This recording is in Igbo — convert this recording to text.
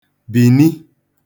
bìni